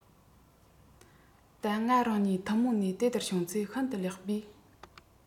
ད ང རང གཉིས ཐུན མོང ནས དེ ལྟར བྱུང ཚེ ཤིན ཏུ ལེགས པས